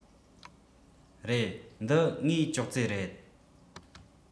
རེད འདི ངའི ཅོག ཙེ རེད